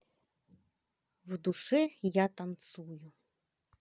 в душе я танцую